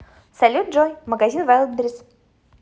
салют джой магазин вайлдберрис